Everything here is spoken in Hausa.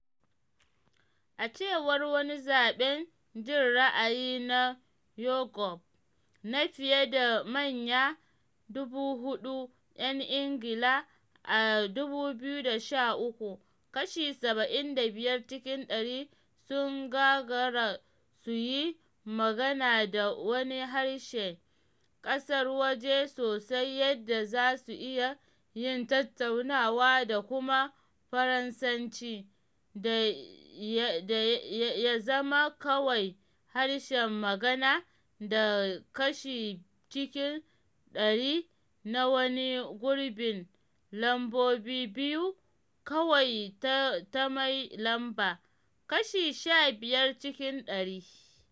A cewar wani zaɓen jin ra’ayi na YouGov na fiye da manya 4,000 ‘yan Ingila a 2013, kashi 75 cikin ɗari sun gagara su yi magana da wani harshen ƙasar waje sosai yadda za su iya yin tattaunawa da kuma Faransanci da ya zama kawai harshen magana da kashi cikin ɗari na wani gurbin lambobi biyu kawai ta mai lamba, kashi 15 cikin ɗari.